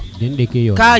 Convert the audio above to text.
den ɗiki na yona